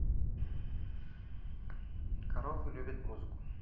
коровы любят музыку